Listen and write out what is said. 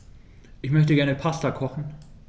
Ich möchte gerne Pasta kochen.